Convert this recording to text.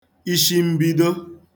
ishimbido